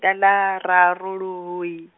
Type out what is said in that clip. ngala raru luhuhi.